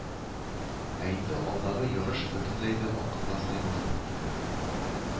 Ә инде алдагы ярыш бөтенләй дә акылга сыймаслык иде